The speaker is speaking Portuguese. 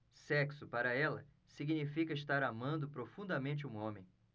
sexo para ela significa estar amando profundamente um homem